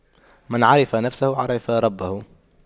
من عرف نفسه عرف ربه